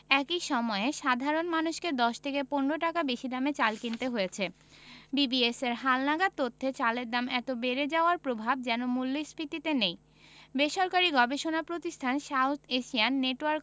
একই সময়ে সাধারণ মানুষকে ১০ থেকে ১৫ টাকা বেশি দামে চাল কিনতে হয়েছে বিবিএসের হালনাগাদ তথ্যে চালের দাম এত বেড়ে যাওয়ার প্রভাব যেন মূল্যস্ফীতিতে নেই বেসরকারি গবেষণা প্রতিষ্ঠান সাউথ এশিয়ান নেটওয়ার্ক